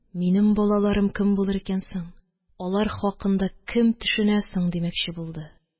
«минем балаларым кем булыр икән соң? алар хакында кем төшенә1 соң?» – димәкче булды.